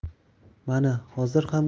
mana hozir ham